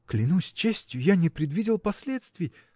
– Клянусь честью, я не предвидел последствий.